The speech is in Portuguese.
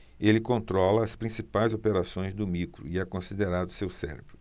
ele controla as principais operações do micro e é considerado seu cérebro